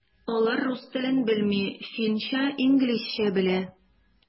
Алар рус телен белми, финча, инглизчә белә.